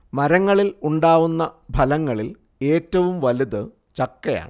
മരങ്ങളിൽ ഉണ്ടാവുന്ന ഫലങ്ങളിൽ ഏറ്റവും വലുത് ചക്കയാണ്